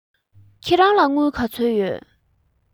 ཁྱེད རང ལ དངུལ ག ཚོད ཡོད